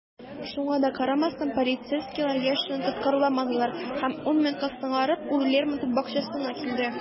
Шуңа да карамастан, полицейскийлар Яшинны тоткарламадылар - һәм ун минутка соңарып, ул Лермонтов бакчасына килде.